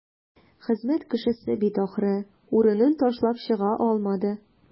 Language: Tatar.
Хезмәт кешесе бит, ахры, урынын ташлап чыга алмады.